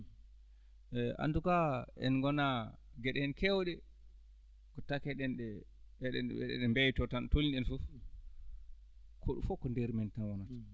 eey en tout en ngonaa geɗe heen keewɗe ko taki eɗen ɗe eɗen eɗen mbeytoo tan tolni ɗen fof ko fof ko ndeer men tan wonata